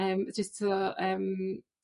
yym jyst t'w'o' yym...